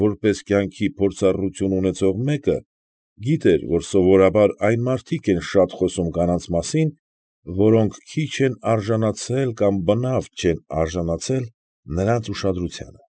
Որպես կյանքի փորձառություն ունեցող մեկը, գիտեր, որ սովորաբար այն մարդիկ են շատ խոսում կանանց մասին, որոնք քիչ են արժանացել կամ բնավ չեն արժանացել նրանց ուշադրությանը։